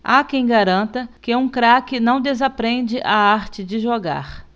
há quem garanta que um craque não desaprende a arte de jogar